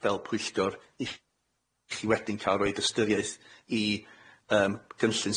fel pwyllgor i chi wedyn ca'l roid ystyriaeth i yym gynllun